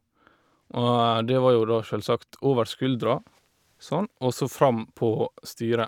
Og det var jo da sjølsagt over skuldra, sånn, og så fram på styret.